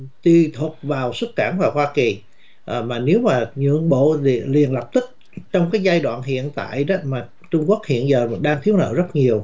tùy thuộc vào xuất cảng vào hoa kỳ à mà nếu mà nhượng bộ liền liền lập tức trong cái giai đoạn hiện tại đó mà trung quốc hiện giờ đang thiếu nợ rất nhiều